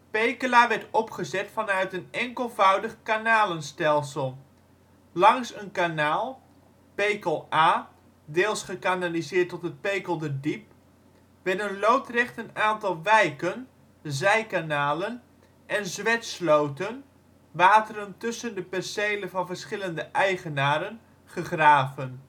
Pekela werd opgezet vanuit een ' enkelvoudig kanalenstelsel '; langs een kanaal (Pekel A - deels gekanaliseerd tot het Pekelderdiep) werden loodrecht een aantal wijken (zijkanalen) en zwetsloten (wateren tussen de percelen van verschillende eigenaren) gegraven